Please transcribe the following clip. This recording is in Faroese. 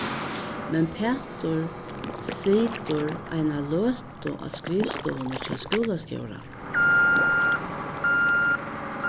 men pætur situr eina løtu á skrivstovuni hjá skúlastjóranum